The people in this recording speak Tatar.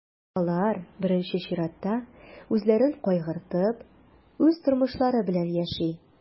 Алар, беренче чиратта, үзләрен кайгыртып, үз тормышлары белән яши.